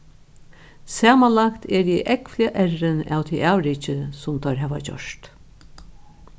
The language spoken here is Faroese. samanlagt eri eg ógvuliga errin av tí avriki sum teir hava gjørt